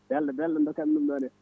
belɗo belɗo dokka min ɗo